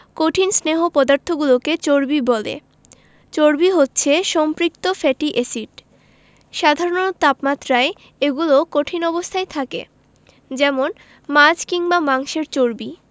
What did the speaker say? কঠিন স্নেহ পদার্থগুলোকে চর্বি বলে চর্বি হচ্ছে সম্পৃক্ত ফ্যাটি এসিড সাধারণ তাপমাত্রায় এগুলো কঠিন অবস্থায় থাকে যেমন মাছ কিংবা মাংসের চর্বি